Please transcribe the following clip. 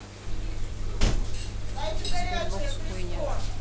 sberbox хуйня